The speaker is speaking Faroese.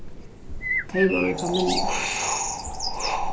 tey vóru í familju